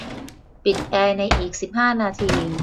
ปิดแอร์ในอีกสิบห้านาที